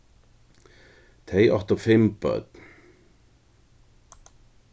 tey áttu fimm børn